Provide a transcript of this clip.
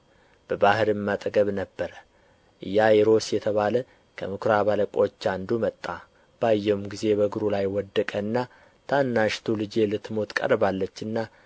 በባሕርም አጠገብ ነበረ ኢያኢሮስ የተባለ ከምኵራብ አለቆች አንዱ መጣ ባየውም ጊዜ በእግሩ ላይ ወደቀና ታናሽቱ ልጄ ልትሞት ቀርባለችና